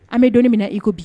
An bɛ donmina i bi